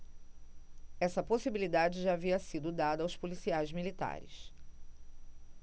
essa possibilidade já havia sido dada aos policiais militares